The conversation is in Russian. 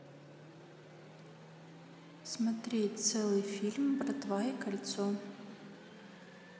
смотреть целый фильм братва и кольцо